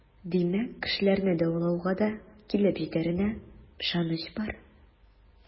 Димәк, кешеләрне дәвалауга да килеп җитәренә ышаныч бар.